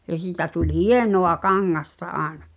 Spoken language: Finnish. ja sitä tuli hienoa kangasta aina